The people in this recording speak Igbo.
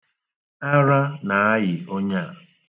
Ara na-ayị onye a.